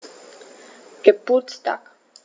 Geburtstag